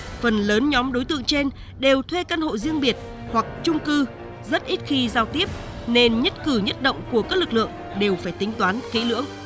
phần lớn nhóm đối tượng trên đều thuê căn hộ riêng biệt hoặc chung cư rất ít khi giao tiếp nên nhất cử nhất động của các lực lượng đều phải tính toán kỹ lưỡng